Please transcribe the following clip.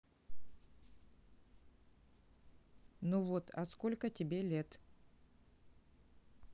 ну вот а сколько тебе лет